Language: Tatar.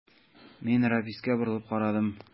Мин Рафиска борылып карадым.